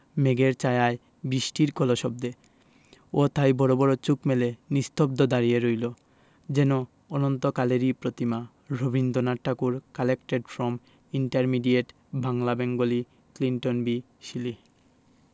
মেঘের ছায়ায় বৃষ্টির কলশব্দে ও তাই বড় বড় চোখ মেলে নিস্তব্ধ দাঁড়িয়ে রইল যেন অনন্তকালেরই প্রতিমা Rabindranath Thakur collected from intermediate Bangla Bengali Clinton B Seely